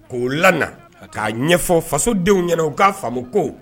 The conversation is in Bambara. K'o laana k'a ɲɛfɔ faso denw ɲɛna u k'a faamu ko